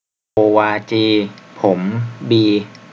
โกวาจีผมบี